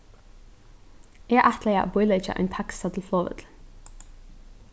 eg ætlaði at bíleggja ein taxa til flogvøllin